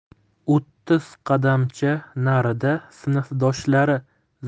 uttiz qadamcha narida sinfdoshlari